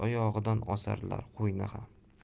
oyog'idan osarlar qo'yni ham